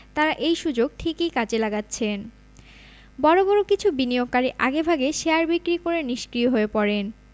তাঁরা এই সুযোগ ঠিকই কাজে লাগাচ্ছেন বড় বড় কিছু বিনিয়োগকারী আগেভাগে শেয়ার বিক্রি করে নিষ্ক্রিয় হয়ে পড়েন